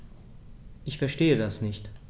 Ich verstehe das nicht.